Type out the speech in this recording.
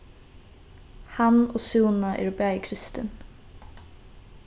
hann og súna eru bæði kristin